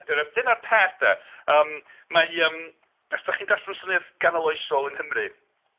Dyna... dyna'r peth 'de yym mae yym os dach chi'n darllen llenyddiaeth ganoloesol yng Nghymru...